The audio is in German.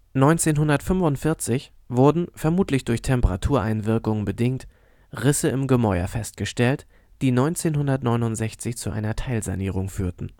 1949 wurden, vermutlich durch Temperatureinwirkungen bedingt, Risse im Gemäuer festgestellt, die 1969 zu einer Teilsanierung führten